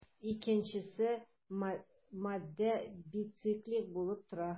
Икенчесе матдә бициклик булып тора.